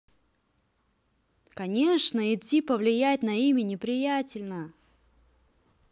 конечно идти повлиять на имени приятельно